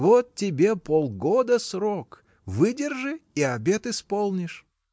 Вот тебе полгода срок: выдержи — и обет исполнишь.